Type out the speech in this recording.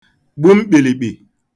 gbu mkpìlìkpì